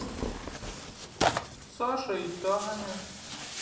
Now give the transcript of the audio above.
саша и таня